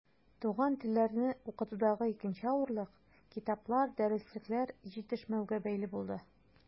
Туган телләрне укытудагы икенче авырлык китаплар, дәреслекләр җитешмәүгә бәйле булды.